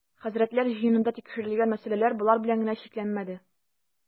Хәзрәтләр җыенында тикшерел-гән мәсьәләләр болар белән генә чикләнмәде.